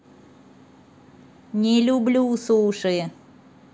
не люблю суши